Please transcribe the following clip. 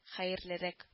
Хәерлерәк